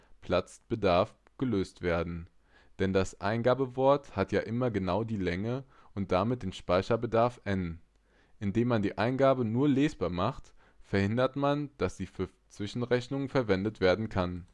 Platzbedarf gelöst werden, denn das Eingabewort hat ja immer genau die Länge und damit den Speicherbedarf n. Indem man die Eingabe nur lesbar macht, verhindert man, dass sie für Zwischenrechnungen verwendet werden kann